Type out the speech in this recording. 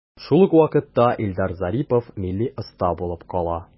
Шул ук вакытта Илдар Зарипов милли оста булып кала.